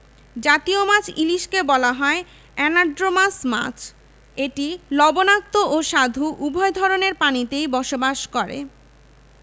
ঢাকা চাঁদপুর বরিশাল খুলনা নারায়ণগঞ্জ ভৈরব বাজার আশুগঞ্জ সিরাজগঞ্জ সমুদ্রবন্দরঃ চট্টগ্রাম এবং মংলা সমুদ্রবন্দর